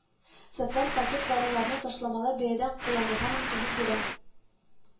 Социаль пакет даруларны ташламалы бәядән кулланырга мөмкинлек бирә